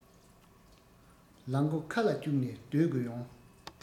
ལག མགོ ཁ ལ བཅུག ནས སྡོད དགོས ཡོང